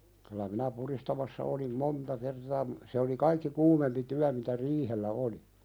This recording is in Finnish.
kyllä minä pudistamassa olin monta kertaa - se oli kaikki kuumempi työ mitä riihellä oli